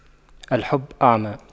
الحب أعمى